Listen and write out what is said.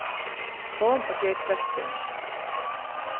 kom og ger kvettið